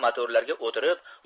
motorlarga o'tirib